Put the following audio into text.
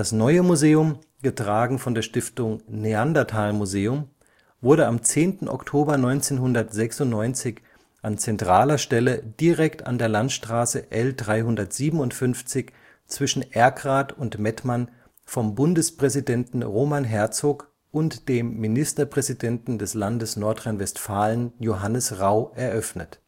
neue Museum, getragen von der Stiftung Neanderthal-Museum, wurde am 10. Oktober 1996 an zentraler Stelle direkt an der Landstraße L357 zwischen Erkrath und Mettmann vom Bundespräsidenten Roman Herzog und dem Ministerpräsidenten des Landes Nordrhein-Westfalen Johannes Rau eröffnet